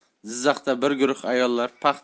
jizzaxda bir guruh ayollar paxta